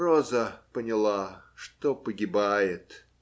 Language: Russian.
Роза поняла, что погибает.